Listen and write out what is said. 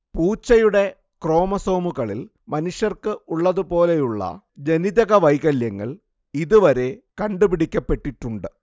പൂച്ചയുടെ ക്രോമസോമുകളിൽ മനുഷ്യർക്ക് ഉള്ളതുപോലെയുള്ള ജനിതകവൈകല്യങ്ങൾ ഇതുവരെ കണ്ടുപിടിക്കപ്പെട്ടിട്ടുണ്ട്